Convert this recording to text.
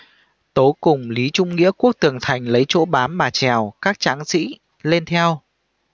tố cùng lý trung nghĩa cuốc tường thành lấy chỗ bám mà trèo các tráng sĩ lên theo